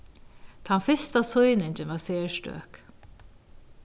tann fyrsta sýningin var serstøk